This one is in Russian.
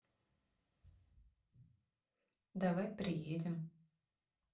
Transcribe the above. давай приедем